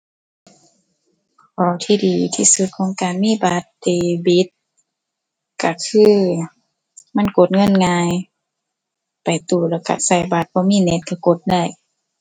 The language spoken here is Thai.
ข้อที่ดีที่สุดของการมีบัตรเดบิต ก็คือมันกดเงินง่าย ไปตู้แล้วก็ใส่บัตร บ่มีเน็ตก็กดได้